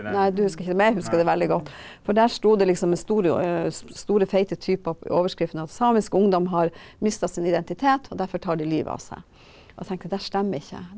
nei du husker ikke det men jeg husker det veldig godt, for der sto det liksom med store store, feite typer overskriften at samisk ungdom har mista sin identitet og derfor tar de livet av seg, og jeg tenkte at det her stemmer ikke.